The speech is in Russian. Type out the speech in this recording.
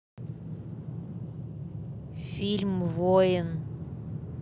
фильм воин